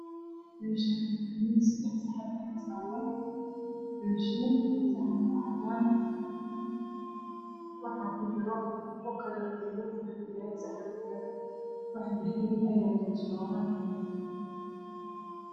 Meeshaan waa miis seddex saxan ayaa saaran saxanka waa cadaan waxaa kujiro muufo kalarkeedu qaxwi yahay saxanka kale wax dahabi ah ayaa dulsaaran.